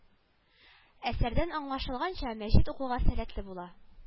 Әсәрдән аңлашылганча мәҗит укуга сәләтле була